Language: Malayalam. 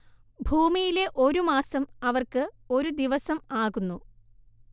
ഭൂമിയിലെ ഒരു മാസം അവർക്ക് ഒരു ദിവസം ആകുന്നു